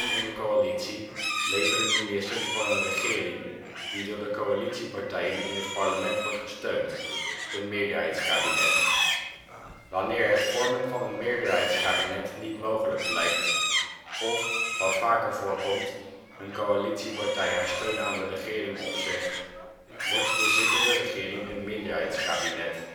in de coalitie leveren ministers voor een regering die door de coalitiepartijen in het parlement wordt gesteund, een meerderheidskabinet. Wanneer het vormen van een meerderheidskabinet niet mogelijk blijkt of, wat vaker voorkomt, een coalitiepartij haar steun aan de regering opzegt, wordt de zittende regering een minderheidskabinet